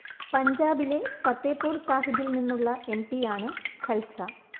പഞ്ചാബിലെ ഫത്തേപൂർ സാഹിബിൽ നിന്നുള്ള എം പി യാണ് ഖൽസ